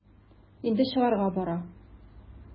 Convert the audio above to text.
Инде чыгарга бара.